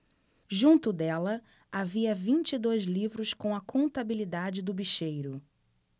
junto dela havia vinte e dois livros com a contabilidade do bicheiro